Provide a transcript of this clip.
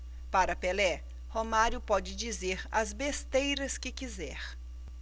para pelé romário pode dizer as besteiras que quiser